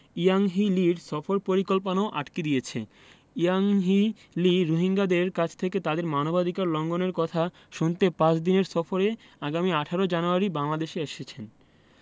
Yanghee লির সফর পরিকল্পনাও আটকে দিয়েছে ইয়াংহি লি রোহিঙ্গাদের কাছ থেকে তাদের মানবাধিকার লঙ্ঘনের কথা শুনতে পাঁচ দিনের সফরে আগামী ১৮ জানুয়ারি বাংলাদেশে আসছেন